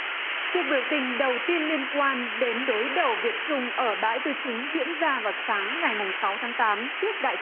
cuộc biểu tình đầu tiên liên quan đến đối đầu việt trung ở bãi tư chính diễn ra vào sáng ngày mùng sáu tháng tám trước đại sứ